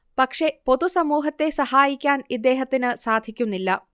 പക്ഷേ പൊതു സമൂഹത്തെ സഹായിക്കാൻ ഇദ്ദേഹത്തിന് സാധിക്കുന്നില്ല